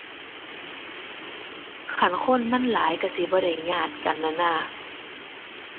คันคนมันหลายก็สิบ่ได้ญาดกันนั้นนะ